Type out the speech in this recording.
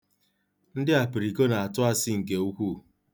Ndị apịrịko na-atụ asị nke ukwuu.